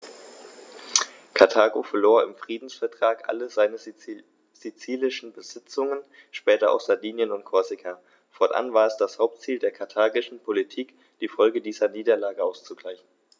Karthago verlor im Friedensvertrag alle seine sizilischen Besitzungen (später auch Sardinien und Korsika); fortan war es das Hauptziel der karthagischen Politik, die Folgen dieser Niederlage auszugleichen.